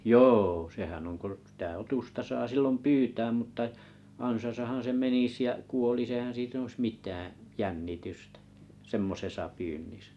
joo sehän on kun sitä otusta saa silloin pyytää mutta ansassahan se menisi ja kuolisi eihän sitä olisi mitään jännitystä semmoisessa pyynnissä